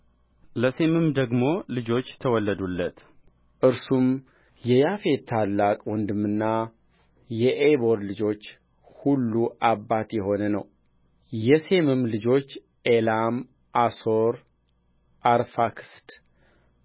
ለሴምም ደግሞ ልጆች ተወለዱለት እርሱም የያፌት ታላቅ ወንድምና የዔቦር ልጆች ሁሉ አባት የሆነ ነው የሴምም ልጆች ኤላም አሦር አርፋክስድ